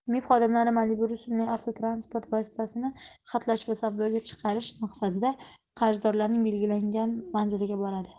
mib xodimlari malibu rusumli avtotransport vositasini xatlash va savdoga chiqarish maqsadida qarzdorlarning belgilangan manziliga boradi